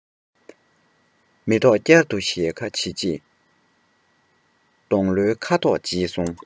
མེ ཏོག བསྐྱར དུ ཞལ ཁ ཕྱེ རྗེས སྡོང ལོའི ཁ དོག བརྗེས སོང